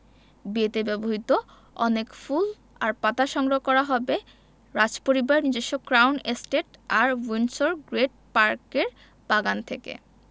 বিয়েতে ব্যবহৃত অনেক ফুল আর পাতা সংগ্রহ করা হবে রাজপরিবারের নিজস্ব ক্রাউন এস্টেট আর উইন্ডসর গ্রেট পার্কের বাগান থেকে